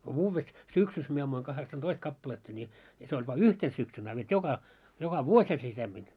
kun vuodessa syksyssä minä ammuin kahdeksantoista kappaletta niin ja se oli vain yhtenä syksynä a vet joka joka vuosihan se semmoinen